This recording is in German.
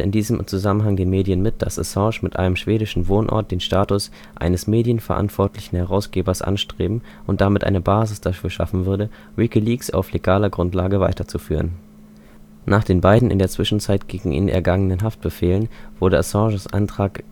diesem Zusammenhang den Medien mit, dass Assange mit einem schwedischen Wohnort den Status eines „ medienverantwortlichen Herausgebers “anstreben und damit eine Basis dafür schaffen würde, WikiLeaks auf legaler Grundlage weiterzuführen. Nach den beiden in der Zwischenzeit gegen ihn ergangenen Haftbefehlen (s. o.) wurde Assanges Antrag